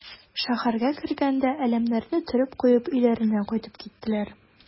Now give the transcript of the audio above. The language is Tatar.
Шәһәргә кергәндә әләмнәрне төреп куеп өйләренә кайтып киттеләр.